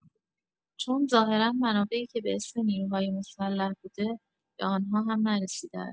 چون ظاهرا منابعی که به اسم نیروهای مسلح بوده، به آنها هم نرسیده است.